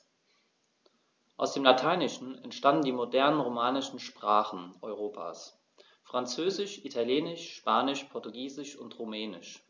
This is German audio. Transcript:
Aus dem Lateinischen entstanden die modernen „romanischen“ Sprachen Europas: Französisch, Italienisch, Spanisch, Portugiesisch und Rumänisch.